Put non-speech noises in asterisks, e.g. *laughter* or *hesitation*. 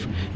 *hesitation* *hesitation*